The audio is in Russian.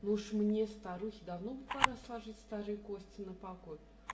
Ну уж мне, старухе, давно бы пора сложить старые кости на покой